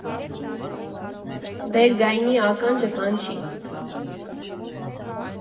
Բերգայնի ականջը կանչի։